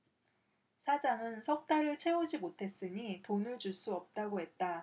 사장은 석 달을 채우지 못했으니 돈을 줄 수 없다고 했다